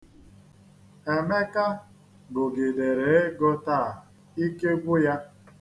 Emeka gụgidere ego taa ike gwụ ya.